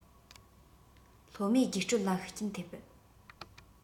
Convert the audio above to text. སློབ མའི རྒྱུགས སྤྲོད ལ ཤུགས རྐྱེན ཐེབས